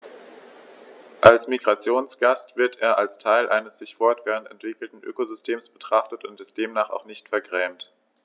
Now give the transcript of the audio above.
Als Migrationsgast wird er als Teil eines sich fortwährend entwickelnden Ökosystems betrachtet und demnach auch nicht vergrämt.